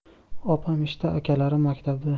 opam ishda akalarim maktabda